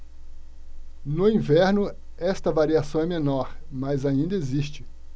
no inverno esta variação é menor mas ainda existe